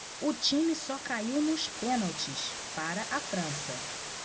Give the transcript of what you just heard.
o time só caiu nos pênaltis para a frança